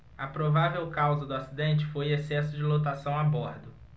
a provável causa do acidente foi excesso de lotação a bordo